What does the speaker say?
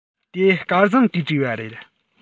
དེ སྐལ བཟང གིས བྲིས པ རེད